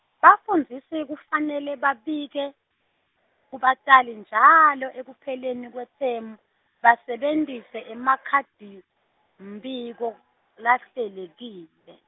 bafundzisi kufanele babike, kubatali njalo ekupheleni kwethemu, basebentise emakhadimbiko lahlelekile.